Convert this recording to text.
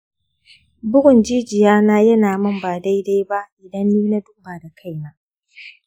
bugun jijiya na yana min ba daidai ba idan ni na duba da kaina.